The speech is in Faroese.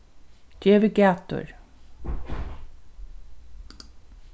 gevið gætur